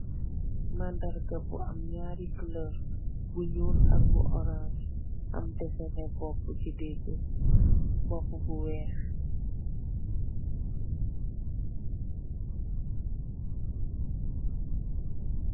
Mandarga bu am ñaari kulor bu ñuul ak bu orans am desen bopú ci digibi bopú bu wèèx.